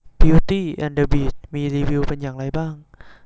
บิวตี้แอนด์เดอะบีสต์มีรีวิวเป็นอย่างไรบ้าง